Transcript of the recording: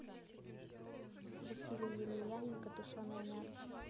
василий емельяненко тушеное мясо